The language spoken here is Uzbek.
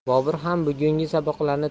bobur ham bugungi saboqlarini